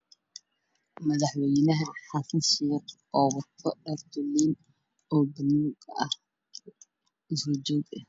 Waa madaxweynaha oo wato fikishery madow ah waxaa ka dambeeya qaranka soomaaliya